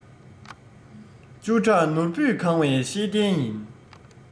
བཅུ ཕྲག ནོར བུས གང བའི ཤེས ལྡན ཡིན